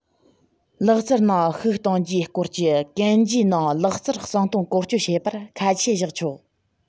ལག རྩལ ནང བཤུག གཏོང རྒྱུའི སྐོར གྱི གན རྒྱའི ནང ལག རྩལ གསང དོན བཀོལ སྤྱོད བྱེད པར ཁ ཆད བཞག ཆོག